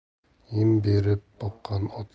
yem berib boqqan